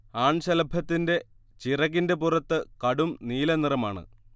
ആൺശലഭത്തിന്റെ ചിറകിന്റെ പുറത്ത് കടും നീലനിറമാണ്